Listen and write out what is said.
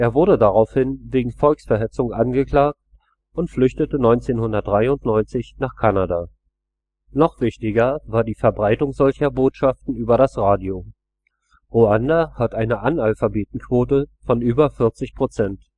wurde daraufhin wegen Volksverhetzung angeklagt und flüchtete 1993 nach Kanada. Noch wichtiger war die Verbreitung solcher Botschaften über das Radio – Ruanda hatte eine Analphabetenquote von über 40 Prozent